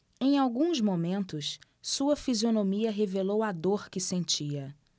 em alguns momentos sua fisionomia revelou a dor que sentia